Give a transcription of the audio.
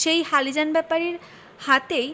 সেই আলীজান ব্যাপারীর হাতেই